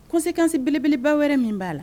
Ko sekansi belebeleba wɛrɛ min b'a la